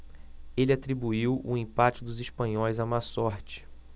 ele atribuiu o empate dos espanhóis à má sorte